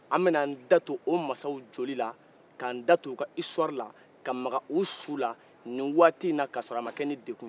an bɛ na an da don u maasaw jeli ka an da don u ka isitɔri la ka makan u su la nin waati k'a sɔrɔ a ma kɛ ni degu ye